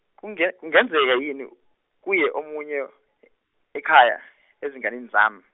kunge- kungenzeka yini, kuye omunye, e- ekhaya ezinganeni zam-.